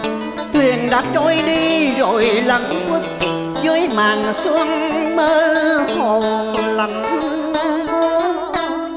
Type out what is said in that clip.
thuyền đã trôi đi rồi lẩn khuất dưới màn sương mơ hồ lạnh buốt